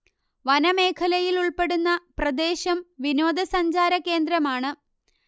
വനമേഖലയിൽ ഉൾപ്പെടുന്ന പ്രദേശം വിനോദസഞ്ചാര കേന്ദ്രമാണ്